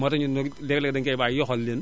moo tax ñun léeg léeg dañu koy bàyyi yoxal leen